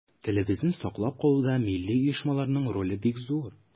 Телебезне саклап калуда милли оешмаларның роле бик зур.